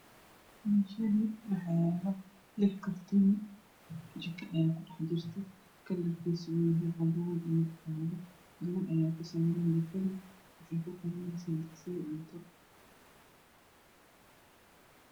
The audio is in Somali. Meeshani waxa yaalo lixkartoon oo jiladi ay ku dhax jirto kalarkiisu waa u egyahay cadaan gabadh ayaa ku sawiran